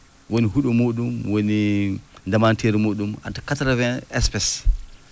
woni huɗo muɗum woni ndemanteeri muɗum entre 80 espéces